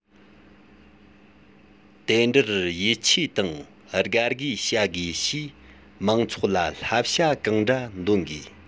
དེ འདྲར ཡིད ཆེས དང དགའ གུས བྱ དགོས ཞེས མང ཚོགས ལ བླང བྱ གང འདྲ འདོན དགོས